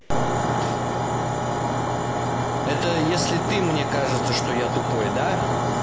это если ты мне кажется что я тупой да